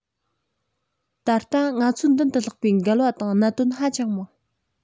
ད ལྟ ང ཚོའི མདུན དུ ལྷགས པའི འགལ བ དང གནད དོན ཧ ཅང མང